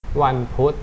วันพุธ